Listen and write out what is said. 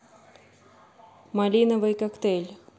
малиновый коктейль